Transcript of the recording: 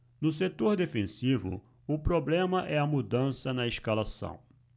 no setor defensivo o problema é a mudança na escalação